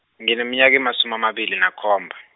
ngineminyaka emasumi emabili nakhomba.